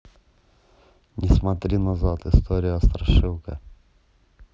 не смотри назад история страшилка